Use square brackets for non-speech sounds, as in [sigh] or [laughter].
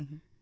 [hesitation] [hesitation]